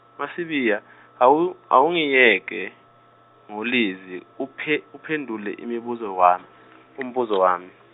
MaSisbiya awu- awungiyeke ngo- Lizzy uphe- uphendule imibuzo wami umbuzo wami.